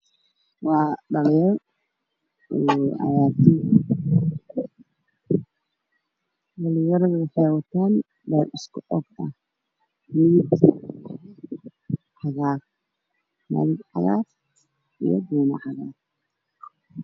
Waa dhalin yaro meel tuuran waxa ay wataan kubad buluug ah